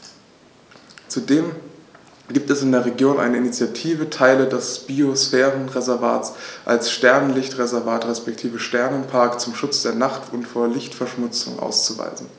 Zudem gibt es in der Region eine Initiative, Teile des Biosphärenreservats als Sternenlicht-Reservat respektive Sternenpark zum Schutz der Nacht und vor Lichtverschmutzung auszuweisen.